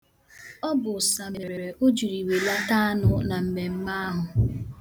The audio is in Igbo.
Ọ bụ ụsa mere o jiri welata anụ na mmemme ahu.